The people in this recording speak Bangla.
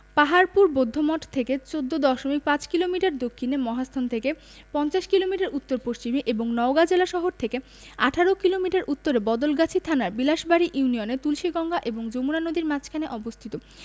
পাহাড়পুর বৌদ্ধমঠ থেকে ১৪দশমিক ৫ কিলোমিটার দক্ষিণে মহাস্থান থেকে পঞ্চাশ কিলোমিটার উত্তর পশ্চিমে এবং নওগাঁ জেলাশহর থেকে ১৮ কিলোমিটার উত্তরে বদলগাছি থানার বিলাসবাড়ি ইউনিয়নে তুলসীগঙ্গা এবং যমুনা নদীর মাঝখানে অবস্থিত